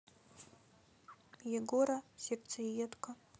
егора сердцеедка